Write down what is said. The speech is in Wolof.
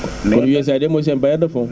kon USAID mooy seen bailleur de fonds